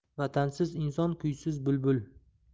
vatansiz inson kuysiz bulbul